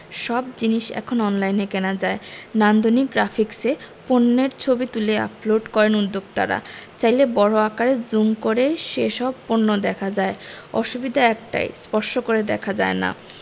সব জিনিস এখন অনলাইনে কেনা যায় নান্দনিক গ্রাফিকসে পণ্যের ছবি তুলে আপলোড করেন উদ্যোক্তারা চাইলে বড় আকারে জুম করে সেসব পণ্য দেখা যায় অসুবিধা একটাই স্পর্শ করে দেখা যায় না